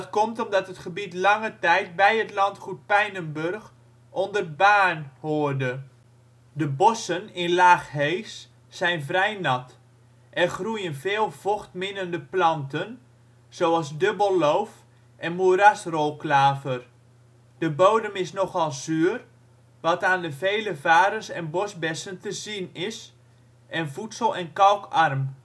komt omdat het gebied lange tijd bij het landgoed Pijnenburg onder Baarn hoorde. De bossen in Laag Hees zijn vrij nat. Er groeien veel vochtminnende planten, zoals dubbelloof en moerasrolklaver. De bodem is nogal zuur, wat aan de vele varens en bosbessen te zien is, en voedsel - en kalkarm